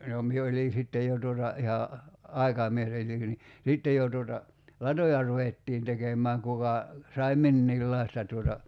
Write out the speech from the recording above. no minä olin sitten jo tuota ihan aikamies niin sitten jo tuota latoja ruvettiin tekemään kuka sai minkäkinlaista tuota